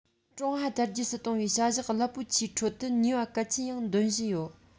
ཀྲུང ཧྭ དར རྒྱས སུ གཏོང བའི བྱ གཞག རླབས པོ ཆེའི ཁྲོད དུ ནུས པ གལ ཆེན ཡང འདོན བཞིན ཡོད